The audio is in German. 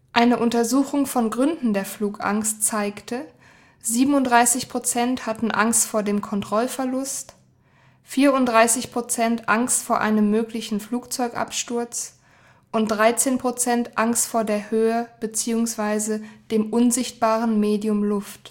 Eine Untersuchung von Gründen der Flugangst zeigte: 37 % hatten Angst vor dem Kontrollverlust, 34 % Angst vor einem möglichen Flugzeugabsturz und 13 % Angst vor der Höhe bzw. dem „ unsichtbaren Medium Luft